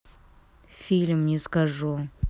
фильм не скажу